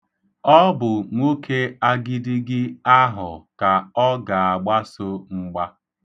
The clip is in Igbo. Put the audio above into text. Ọ bụ nwoke agidigi ahụ ka ọ ga-agbaso mgba.